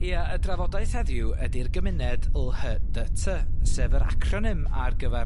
Ia y drafodaeth heddiw ydi'r gymuned yl hy dy ty, sef yr acronym ar gyfar